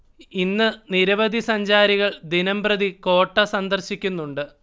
ഇന്ന് നിരവധി സഞ്ചാരികൾ ദിനംപ്രതി കോട്ട സന്ദർശിക്കുന്നുണ്ട്